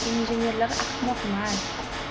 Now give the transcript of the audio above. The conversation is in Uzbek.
injenerlar ahmoqmas